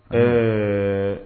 Ɛɛ